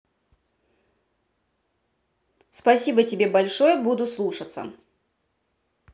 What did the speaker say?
спасибо тебе большое буду слушаться